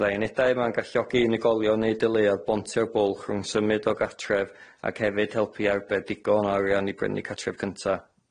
Byddai unedau yma'n galluogi unigolion neu deuluodd bontio'r bwlch rhwng symud o gartref ac hefyd helpu arbed digon o arian i brynu cartref cynta.